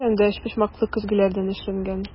Түшәм дә өчпочмаклы көзгеләрдән эшләнгән.